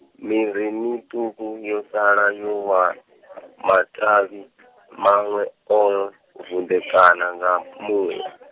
miri miṱuku yo sala yo wa , matavhi, manwe o, vunḓekana nga muya.